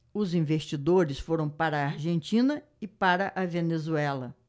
os investidores foram para a argentina e para a venezuela